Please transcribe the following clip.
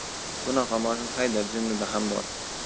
bunaqa moshin haydar jinnida ham bor